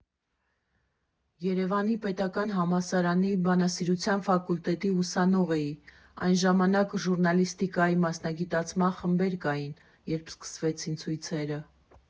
Երևանի պետական համալսարանի բանասիրության ֆակուլտետի ուսանող էի (այն ժամանակ ժուռնալիստիկայի մասնագիտացման խմբեր կային), երբ սկսվեցին ցույցերը։